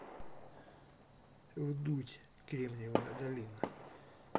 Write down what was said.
вдудь кремневая долина